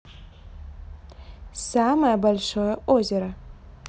самое большое озеро